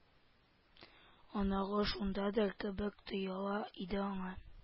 Оныгы шундадыр кебек тоела иде аңа